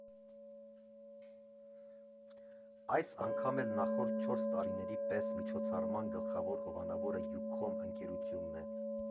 Այս անգամ էլ նախորդ չորս տարիների պես միջոցառման գլխավոր հովանավորը Յուքոմ ընկերությունն է։